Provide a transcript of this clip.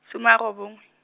some a robongwe.